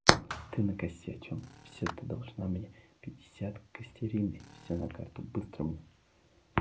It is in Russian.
ты накосячил все ты должна мне пятьдесят костериной все на карту быстро мне